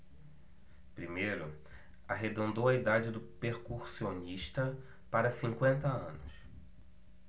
primeiro arredondou a idade do percussionista para cinquenta anos